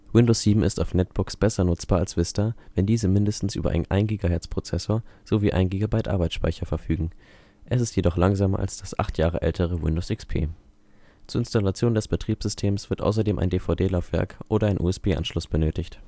Windows 7 ist auf Netbooks besser nutzbar als Vista, wenn diese mindestens über einen 1-GHz-Prozessor sowie 1 GB Arbeitsspeicher verfügen. Es ist jedoch langsamer als das acht Jahre ältere Windows XP. Zur Installation des Betriebssystems wird außerdem ein DVD-Laufwerk oder ein USB-Anschluss benötigt